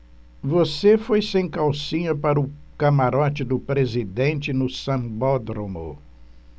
você foi sem calcinha para o camarote do presidente no sambódromo